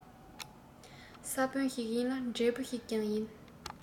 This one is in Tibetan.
ས བོན ཞིག ཡིན ལ འབྲས བུ ཞིག ཀྱང ཡིན